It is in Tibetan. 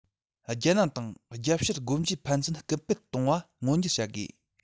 རྒྱལ ནང དང རྒྱལ ཕྱིར སྒོ འབྱེད ཕན ཚུན སྐུལ སྤེལ གཏོང བ མངོན འགྱུར བྱ དགོས